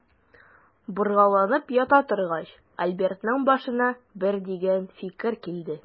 Боргаланып ята торгач, Альбертның башына бер дигән фикер килде.